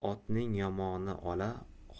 otning yomoni ola